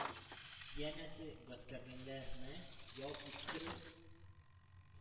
Янәсе, гаскәрләрне ял иттерү